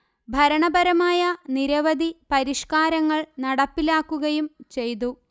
ഭരണപരമായ നിരവധി പരിഷ്കാരങ്ങൾ നടപ്പിലാക്കുകയും ചെയ്തു